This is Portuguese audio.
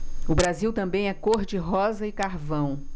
o brasil também é cor de rosa e carvão